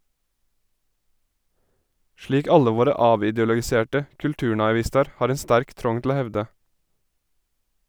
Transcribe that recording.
Slik alle våre avideologiserte kulturnaivistar har ein sterk trong til å hevde.